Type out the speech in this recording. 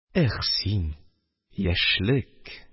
Их син, яшьлек!